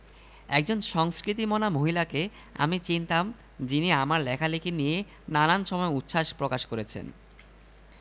তুর্গেনিভের মত বড় উপন্যাসিকের জন্ম হল না এই নিয়ে কথা হচ্ছে এমন সময় তাঁর ছোট মেয়েটি হঠাৎ কথা বলল চাচা আম্মু না আপনাকে ছাগল ডাকে